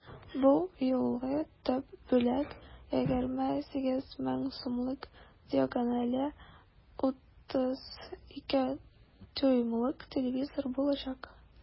Бу юлы төп бүләк 28 мең сумлык диагонале 32 дюймлык телевизор булачак.